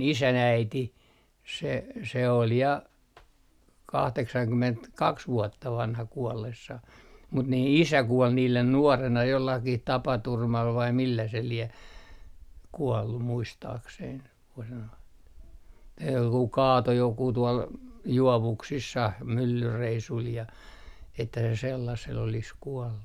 isän äiti se se oli ja kahdeksankymmentäkaksi vuotta vanha kuollessaan mutta niin isä kuoli niiden nuorena jollakin tapaturmalla vai millä se lie kuollut muistaakseni kun se noin kaatoi joku tuolla juovuksissa myllyreissulla ja että se sellaisella olisi kuollut